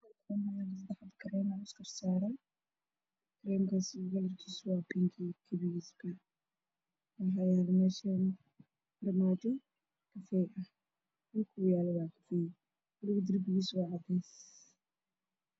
Waa kareem isdulsaaran kalarkiisu waa bingi waxaa yaalo meeshaan armaajo kafay ah, dhulka uu yaalo waa kafay darbiga waa cadeys.